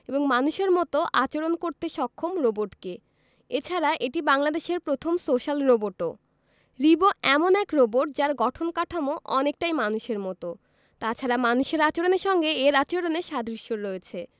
এবং মানুষের মতো আচরণ করতে সক্ষম রোবটকে এছাড়া এটি বাংলাদেশের প্রথম সোশ্যাল রোবটও রিবো এমন এক রোবট যার গঠন কাঠামো অনেকটাই মানুষের মতো তাছাড়া মানুষের আচরণের সঙ্গে এর আচরণের সাদৃশ্য রয়েছে